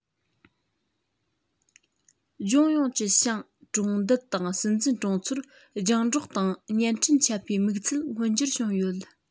ལྗོངས ཡོངས ཀྱི ཤང གྲོང རྡལ དང སྲིད འཛིན གྲོང ཚོར རྒྱང བསྒྲགས དང བརྙན འཕྲིན ཁྱབ པའི དམིགས ཚད མངོན འགྱུར བྱུང ཡོད